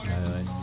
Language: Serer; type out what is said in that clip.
a oui